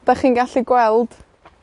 'dach chi'n gallu gweld